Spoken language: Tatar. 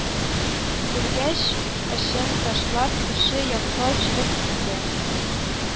Күргәч, эшен ташлап, кече якка чыгып китте